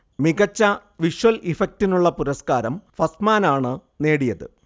മികച്ച വിഷ്വൽ ഇഫക്ടിനുള്ള പുരസ്ക്കാരം ഫസ്റ്റ്മാനാണ് നേടിയത്